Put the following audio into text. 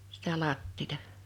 sitä lattiaa